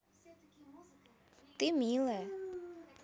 ты милая